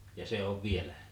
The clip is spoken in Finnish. ja se on vielä